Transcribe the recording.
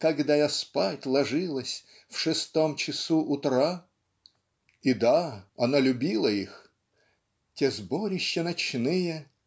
когда я спать ложилась в шестом часу утра?" и да, она любила их, . те сборища ночные